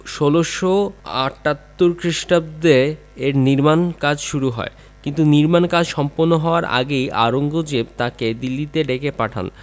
১৬৭৮ খ্রিস্টাব্দে এর নির্মাণ কাজ শুরু করেন কিন্তু নির্মাণ কাজ সম্পন্ন হওয়ার আগেই আওরঙ্গজেব তাঁকে দিল্লিতে ডেকে পাঠান